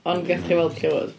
Ond gaethoch chi weld y llewod.